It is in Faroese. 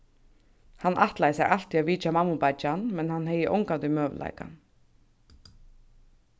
hann ætlaði sær altíð at vitja mammubeiggjan men hann hevði ongantíð møguleikan